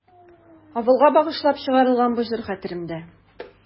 Авылга багышлап чыгарылган бу җыр хәтеремдә.